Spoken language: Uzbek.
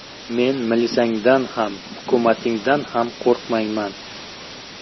men milisangdan ham hukumatingdan ham qo'rqmayman